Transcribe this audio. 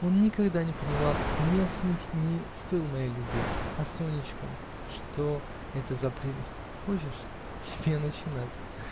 он никогда не понимал, не умел ценить и не стоил моей любви. а Сонечка? что это за прелесть! "Хочешь?", "тебе начинать".